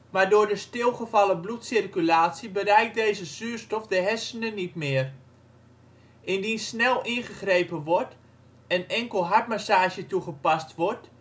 maar door de stilgevallen bloedcirculatie bereikt deze zuurstof de hersenen niet meer. Indien snel ingegrepen wordt en enkel hartmassage toegepast wordt